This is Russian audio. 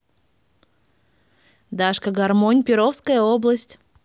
дашка гармонь перовская область